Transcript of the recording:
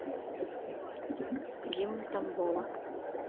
гимн тамбова